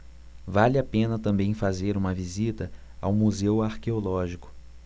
vale a pena também fazer uma visita ao museu arqueológico